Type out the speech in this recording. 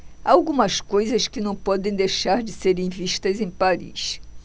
há algumas coisas que não podem deixar de serem vistas em paris